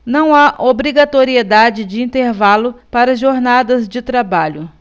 não há obrigatoriedade de intervalo para jornadas de trabalho